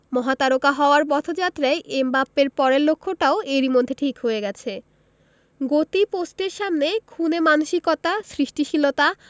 মহাতারকা হওয়ার পথযাত্রায় এমবাপ্পের পরের লক্ষ্যটাও এরই মধ্যে ঠিক হয়ে গেছে গতি পোস্টের সামনে খুনে মানসিকতা সৃষ্টিশীলতা